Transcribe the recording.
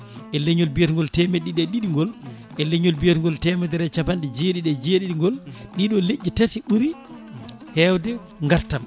e leeñol mbiyetgol temedde ɗiɗi e ɗiɗi ngol e leeñol mbiyetgol temedere e capanɗe jeeɗiɗi e jeeɗiɗi ngol ɗiɗo leƴƴi tati ɓuuri hewde gartam